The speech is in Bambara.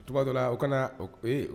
Tɔgɔ dɔ o kana eee